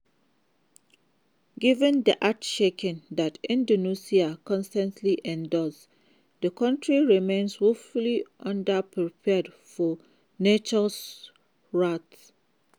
Given the earth shaking that Indonesia constantly endures, the country remains woefully underprepared for nature's wrath.